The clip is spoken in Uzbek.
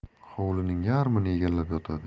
hovlining yarmini egallab yotadi